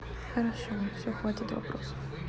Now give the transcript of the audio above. хорошо все хватит вопросов